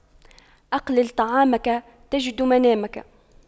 أقلل طعامك تجد منامك